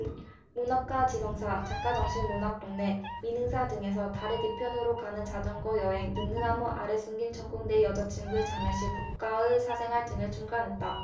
문학과 지성사 작가정신 문학동네 민음사 등에서 달의 뒤편으로 가는 자전거 여행 느릅나무 아래 숨긴 천국 내 여자친구의 장례식 국가의 사생활 등을 출간했다